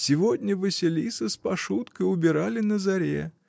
Сегодня Василиса с Пашуткой убирали на заре.